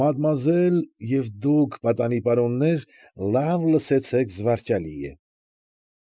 Մադմուազել, և դուք, պատանի պարոններ, լավ լսեցեք, զվարճալի է։